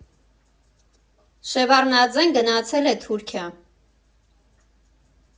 Շևարդնաձեն գնացել է Թուրքիա։